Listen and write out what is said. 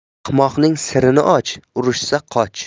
ahmoqning sirini och urishsa qoch